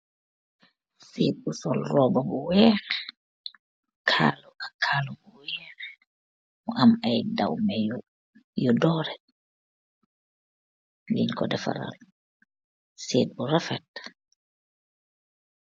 Seit bu sol roba bu weakh, kaalu ak kaalu bu weakh, mu am aiy dawmeh yu doreh, nyinko defaral, seit bu refet.